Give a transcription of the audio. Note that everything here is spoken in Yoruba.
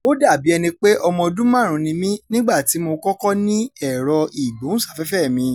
Ó dà bí ẹni pé ọmọ ọdún 5 ni mí nígbà tí mo kọ́kọ́ ní ẹ̀rọ-ìgbóhùnsáfẹ́fẹ́ẹ̀ mi.